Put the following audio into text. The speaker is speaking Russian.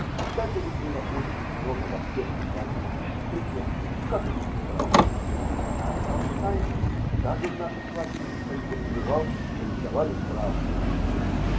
Читателей было очень много во всех гимназиях, причем -- как это ни странно -- тайна осталась тайной: даже в нашем классе никто не подозревал, что издавали "Правду" мы.